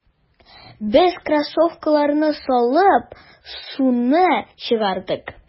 Без кроссовкаларны салып, суны чыгардык.